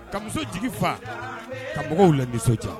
Ka muso jigi fa, ka mɔgɔw la nisɔndiya